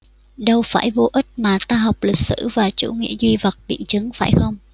đâu phải vô ích mà ta học lịch sử và chủ nghĩa duy vật biện chứng phải không